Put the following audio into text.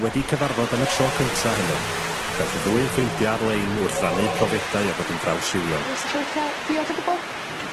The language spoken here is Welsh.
...wedi cyfarfod am y tro cynta heno. Daeth y ddwy yn ffrindia ar-lein wrth rannu profiadau a fod yn drawsrhywiol. 'Sach ci' licio diod o gwbl?